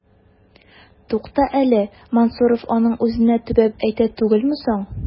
Тукта әле, Мансуров аның үзенә төбәп әйтә түгелме соң? ..